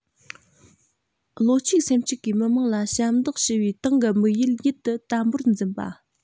བློ གཅིག སེམས གཅིག གིས མི དམངས ལ ཞབས འདེགས ཞུ བའི ཏང གི དམིགས ཡུལ ཡིད དུ དམ པོར འཛིན པ